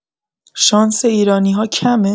شانس ایرانی‌‌ها کمه؟